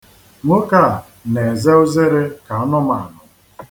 Nwoke a na-eze uzere ka anụmanụ.